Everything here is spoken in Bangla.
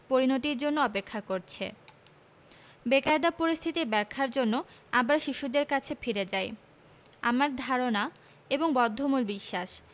পরিণতির জন্যে অপেক্ষা করছে বেকায়দা পরিস্থিতির ব্যাখ্যার জন্যে আবার শিশুদের কাছে ফিরে যাই আমার ধারণা এবং বদ্ধমূল বিশ্বাস